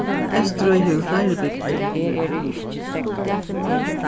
eysturoy hevur fleiri bygdir